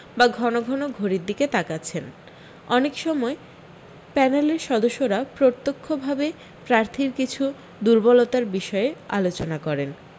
বা ঘন ঘন ঘড়ির দিকে তাকাচ্ছেন অনেক সময় প্যানেলের সদস্যরা প্রত্যক্ষ ভাবে প্রার্থীর কিছু দুর্বলতার বিষয়ে আলোচনা করেন